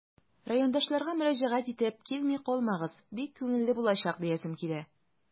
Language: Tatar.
Райондашларга мөрәҗәгать итеп, килми калмагыз, бик күңелле булачак диясем килә.